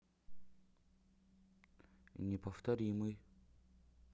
неповторимый